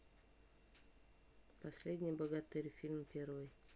последний богатырь фильм первый